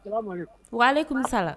Ale kuru sa